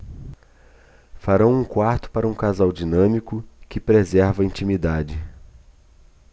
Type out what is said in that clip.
farão um quarto para um casal dinâmico que preserva a intimidade